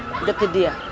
dëkk Dya